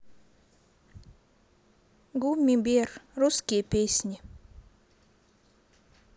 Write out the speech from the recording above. гумми бер русские песни